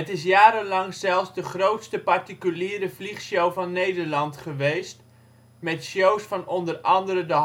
is jarenlang zelfs de grootste particuliere vliegshow van Nederland geweest met shows van onder andere de